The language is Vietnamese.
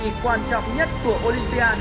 quan trọng nhất của ô lim pi a